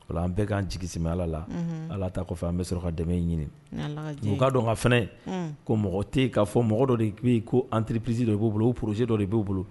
An bɛ'an jigi ala la ala ta kɔfɛ an bɛ sɔrɔ ka dɛmɛ ɲini numukɛ dɔn ka fana ko mɔgɔ tɛ yen kaa fɔ mɔgɔ dɔ de tun bɛ yen an tiri ppsi dɔ b' bolo o poroosi dɔ de b'o bolo